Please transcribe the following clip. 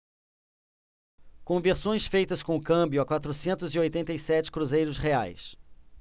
conversões feitas com câmbio a quatrocentos e oitenta e sete cruzeiros reais